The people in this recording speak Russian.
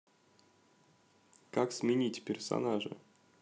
как сменить персонажа